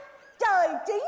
chính